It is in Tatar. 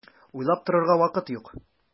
Уйлап торырга вакыт юк!